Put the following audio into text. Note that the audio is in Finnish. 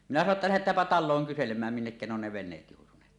minä sanoin jotta lähdetäänpä taloon kyselemään minnekä ne on ne veneet joutuneet